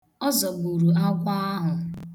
Ọ zọgburu agwọ ahụ.